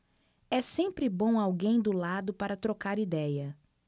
é sempre bom alguém do lado para trocar idéia